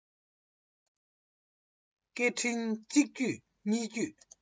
སྐད འཕྲིན གཅིག བརྒྱུད གཉིས བརྒྱུད